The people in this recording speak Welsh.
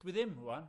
Dwi ddim, rŵan.